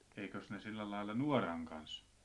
eikös ne sillä lailla nuoran kanssa